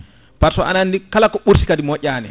par ce aɗa andi kala ko ɓuurti kadi moƴƴani